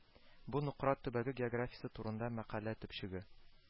Бу Нократ төбәге географиясе турында мәкалә төпчеге